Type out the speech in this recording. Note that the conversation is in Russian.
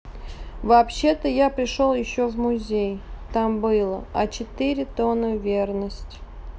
вообще то я пришел еще в музей там было а четыре тона верность